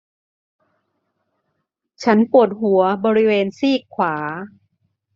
ฉันปวดหัวบริเวณซีกขวา